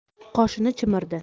qoshini chimirdi